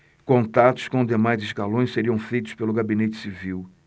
contatos com demais escalões seriam feitos pelo gabinete civil